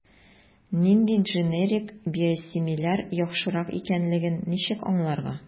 Нинди дженерик/биосимиляр яхшырак икәнлеген ничек аңларга?